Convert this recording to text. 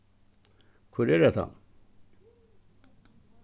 hvør er hetta